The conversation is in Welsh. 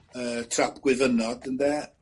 yy trap gwyfynod ynde